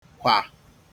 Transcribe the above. kwà